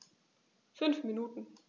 5 Minuten